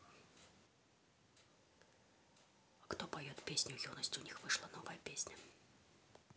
кто поет песню юность у них вышла новая песня